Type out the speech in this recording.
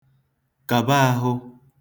kàba āhụ̄